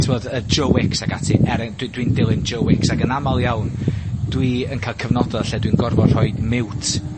t'mod yy Joe Wicks ac ati er en- dwi dwi'n dilyn Joe Wicks, ag yn amal iawn, dwi yn ca'l cyfnoda lle dwi'n gorfod rhoi mute